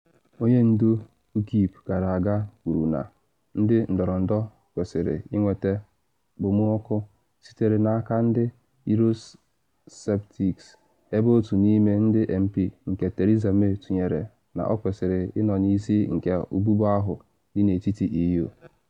Onye ndu Ukip gara aga kwuru na ndị ndọrọndọrọ kwesịrị ‘ịnweta okpomọkụ’ sitere n’aka ndị Eurosceptics - ebe otu n’ime ndị MP nke Theresa May tụnyere na ọ kwesịrị ị nọ n’isi nke ụbụbọ ahụ dị n’etiti EU.